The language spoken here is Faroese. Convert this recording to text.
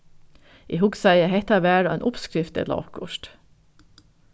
eg hugsaði at hetta var ein uppskrift ella okkurt